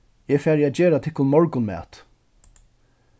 eg fari at gera tykkum morgunmat